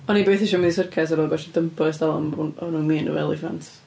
O'n i byth isio mynd i syrcas ar ôl gwatshio Dumbo ers talwm, oedden nhw'n mean efo eliffant.